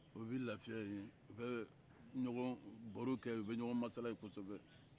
u bɛ lafiya yen u bɛ ɲɔgɔn baro kɛ u ɲɔgɔn masalala yen kɔsɔbɛ